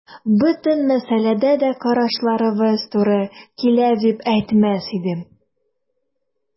Бөтен мәсьәләдә дә карашларыбыз туры килә дип әйтмәс идем.